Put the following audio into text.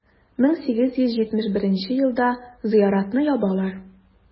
1871 елда зыяратны ябалар.